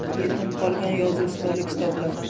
yetim qolgan yozuv stoli kitoblar